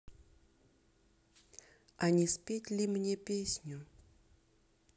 а не спеть ли мне песню